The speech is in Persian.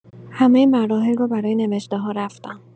همه مراحل رو برای نوشته‌ها رفتم